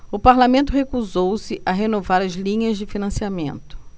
o parlamento recusou-se a renovar as linhas de financiamento